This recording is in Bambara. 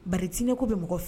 Bacinɛ ko bɛ mɔgɔ fɛ